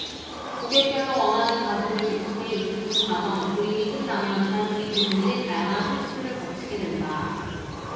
고객별로 원하는 가죽을 제품에 입히는 과정 조립이 끝나면 잘 조립 됐는지 다양한 테스트를 거치게 된다